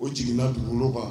O jiginna tun bolo kan